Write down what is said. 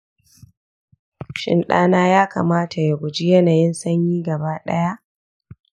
shin ɗana ya kamata ya guji yanayin sanyi gaba ɗaya?